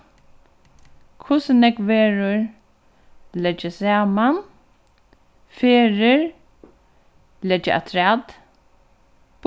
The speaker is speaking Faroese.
hvussu nógv verður leggi saman ferðir leggja afturat